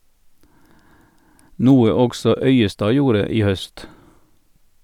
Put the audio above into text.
Noe også Øyestad gjorde i høst.